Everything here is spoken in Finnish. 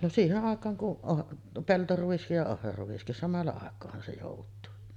no siihen aikaan kun - peltoruis ja ohraruiskin samalla aikaahan se joutuu